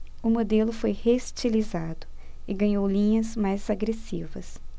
o modelo foi reestilizado e ganhou linhas mais agressivas